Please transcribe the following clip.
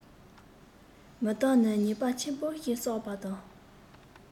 མི དག ནི ཉེས པ ཆེན པོ ཞིག བསགས པ དང